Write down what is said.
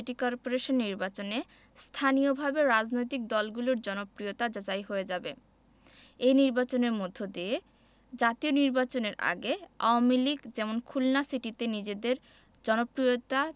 Khulna city corporation নির্বাচনে স্থানীয়ভাবে রাজনৈতিক দলগুলোর জনপ্রিয়তা যাচাই হয়ে যাবে এই নির্বাচনের মধ্য দিয়ে জাতীয় নির্বাচনের আগে আওয়ামী লীগ যেমন খুলনা সিটিতে নিজেদের